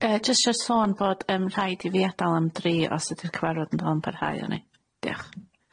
Yy jyst- sho sôn bod yym rhaid i fi adal am dri os ydi'r cyfarfod yn dal yn parhau o'n i. Diolch.